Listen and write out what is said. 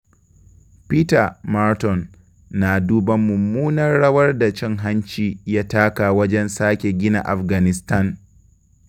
Peter Marton na duban mummunar rawar da cin-hanci ya taka wajen sake gina Afganistan.